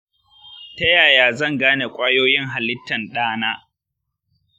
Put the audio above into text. ta yaya zan gane kwayoyin halittan ɗana